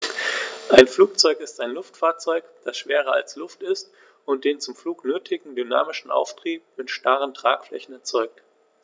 Ein Flugzeug ist ein Luftfahrzeug, das schwerer als Luft ist und den zum Flug nötigen dynamischen Auftrieb mit starren Tragflächen erzeugt.